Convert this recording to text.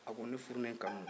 a ko ne furu ni n kanu